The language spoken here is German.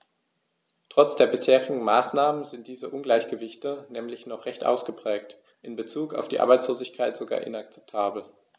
Trotz der bisherigen Maßnahmen sind diese Ungleichgewichte nämlich noch recht ausgeprägt, in bezug auf die Arbeitslosigkeit sogar inakzeptabel.